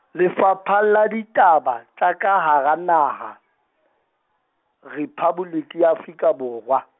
Lefapha la Ditaba tsa ka Hara Naha, Rephaboliki ya Afrika Borwa.